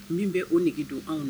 Min bɛ o n nɛgɛge don anw na